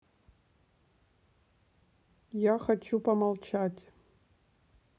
я хочу помолчать